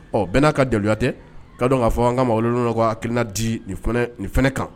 Ɔ bɛn n'a ka delitɛ ka don k'a fɔ an ka ma olu n akirina di nin fana kan